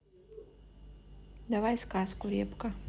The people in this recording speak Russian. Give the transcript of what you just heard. давай сказку репка